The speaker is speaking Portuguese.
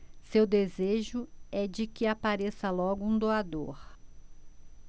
seu desejo é de que apareça logo um doador